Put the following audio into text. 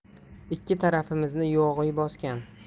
ikki tarafimizni yog'iy bosgan